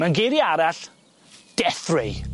Mewn geirie arall, death ray.